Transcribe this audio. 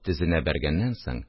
Тезенә бәргәннән соң